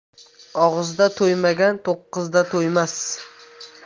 og'izda to'ymagan to'qqizda to'ymas